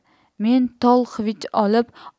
men tol xivich olib